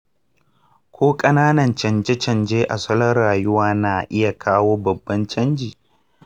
ko ƙananan canje-canje a salon rayuwa na iya kawo babban canji.